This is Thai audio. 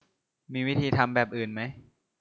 มีวิธีทำแบบอื่นไหม